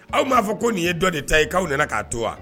Aw m'a fɔ ko nin ye dɔ de ta ye'aw nana k'a to wa